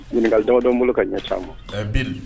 Ɲininkali damadɔ bɛ n bolo ka ɲɛsi aw ma